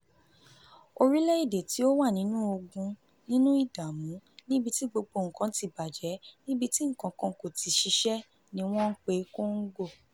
Orílẹ̀-èdè tí ó wà nínú ogun, nínú ìdààmú, níbi tí gbogbo nǹkan ti bàjẹ́, níbi tí nǹkankan kò ti ṣiṣẹ́ ni wọ́n pe Congo.